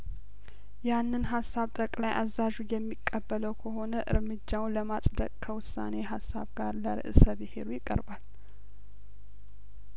ያንን ሀሳብ ጠቅላይ አዛዡ የሚቀበለው ከሆነ እርምጃውን ለማጽደቅ ከውሳኔ ሀሳብ ጋር ለርእሰ ብሄሩ ይቀርባል